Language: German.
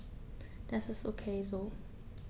Das ist ok so.